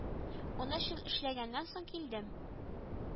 Унөч ел эшләгәннән соң килдем